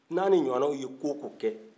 n'ani ɲwaana ye ko o ko kɛ